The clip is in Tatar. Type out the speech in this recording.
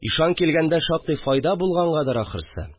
Ишан килгәндә, шактый файда булгангадыр, ахрысы